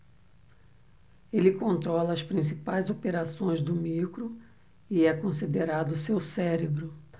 ele controla as principais operações do micro e é considerado seu cérebro